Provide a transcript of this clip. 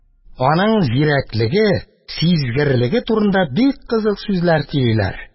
Аның зирәклеге, сизгерлеге турында бик кызык сүзләр сөйлиләр.